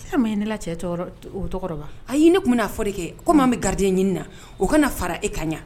I sera ne la a ye ɲini ne tun b'a fɔ de kɛ ko maa bɛ garidi ɲini na o kana fara e ka ɲɛ